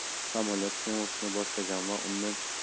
samolyot sho'ng'ishni boshlagan va undan